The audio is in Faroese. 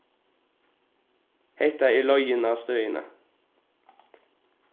hetta er leiðin á støðina